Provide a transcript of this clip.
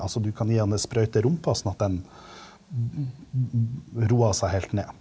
altså du kan han ei sprøyte i rumpa sånn at den roer seg heilt ned.